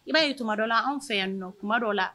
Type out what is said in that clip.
I b'a ye tuma dɔ la anw fɛ yan nɔ tuma dɔ la